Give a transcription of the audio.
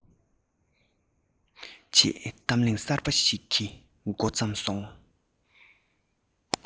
ཅེས གཏམ གླེང གསར པ ཞིག གི མགོ བརྩམས སོང